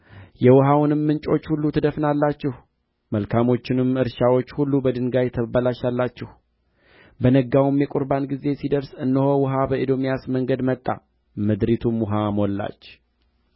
ይህም በእግዚአብሔር ዓይን ቀላል ነገር ነው ደግሞም ሞዓባውያንን በእጃችሁ አሳልፎ ይሰጣል የተመሸጉትንና ያማሩትን ከተሞች ሁሉ ትመታላችሁ የሚያፈሩትንም ዛፎች ሁሉ ትቈርጣላችሁ